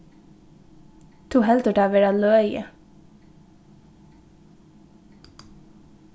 tú heldur tað vera løgið